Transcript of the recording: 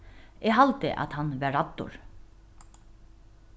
eg haldi at hann var ræddur